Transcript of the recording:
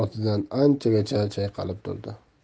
ortidan anchagacha chayqalib turdi